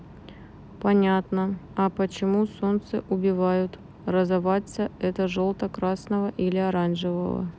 понятно а почему солнце убивают разоваться это желто красного или оранжевого